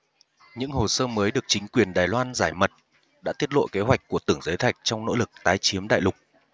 những hồ sơ mới được chính quyền đài loan giải mật đã tiết lộ kế hoạch của tưởng giới thạch trong nỗ lực tái chiếm đại lục